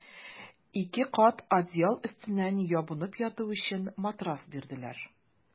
Ике кат одеял өстеннән ябынып яту өчен матрас бирделәр.